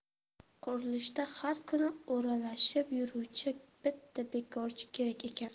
qurilishda har kuni o'ralashib yuruvchi bitta bekorchi kerak ekan